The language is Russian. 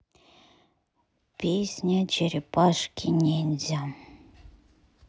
песня черепашки ниндзя